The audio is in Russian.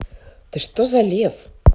ты что за лев